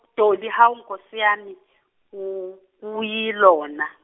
Dolly Hawu Nkosi yami, u- uyilona.